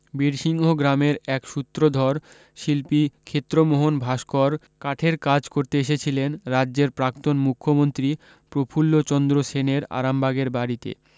বীরসিংহ গ্রামের এক সূত্রধর শিল্পী ক্ষেত্রমোহন ভাস্কর কাঠের কাজ করতে এসেছিলেন রাজ্যের প্রাক্তন মুখ্যমন্ত্রী প্রফূল্লচন্দ্র সেনের আরামবাগের বাড়ীতে